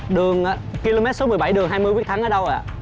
đường ki lô mét số mười bảy đường hai mươi quyết thắng ở đâu vậy ạ